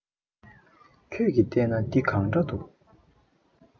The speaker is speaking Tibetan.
ཁྱེད ཀྱི ལྟས ན འདི གང འདྲ འདུག